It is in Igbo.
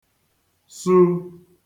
su